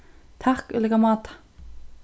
takk í líka máta